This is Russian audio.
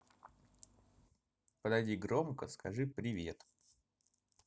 подойди громко скажи привет